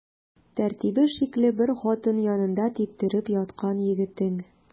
Тәртибе шикле бер хатын янында типтереп яткан егетең.